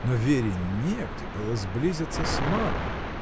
Но Вере негде было сблизиться с Марком.